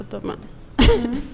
A taa